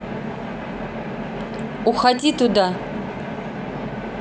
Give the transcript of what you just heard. уходи туда